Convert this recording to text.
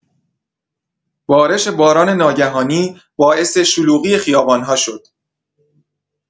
بارش باران ناگهانی باعث شلوغی خیابان‌ها شد.